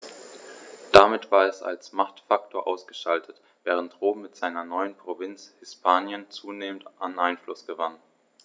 Damit war es als Machtfaktor ausgeschaltet, während Rom mit seiner neuen Provinz Hispanien zunehmend an Einfluss gewann.